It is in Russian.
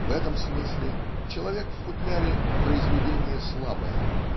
в этом смысле "Человек в футляре" - произведение слабое.